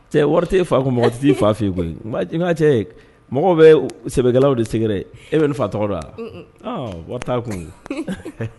Cɛ wɔri t'e fa kun mɔgɔ ti t'i fa fe ye koyi maj ŋa cɛ mɔgɔw bɛɛ u sɛbɛkɛlaw de sɛgɛrɛ e be n'i fa tɔgɔ dɔn wa un un ɔɔn wɔri t'a kun